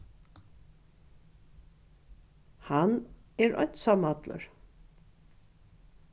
hann er einsamallur